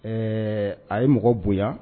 Ɛɛ a ye mɔgɔ bonya